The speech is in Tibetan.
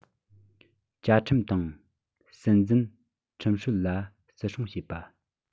བཅའ ཁྲིམས དང སྲིད འཛིན ཁྲིམས སྲོལ ལ བརྩི སྲུང བྱེད པ